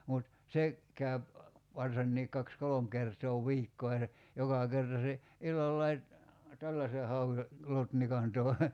mutta se käy varsinkin kaksi kolme kertaa viikkoon ja se joka kerta se illallakin tällaisen hauen lotnikan toi